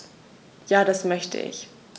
Ja, das möchte ich.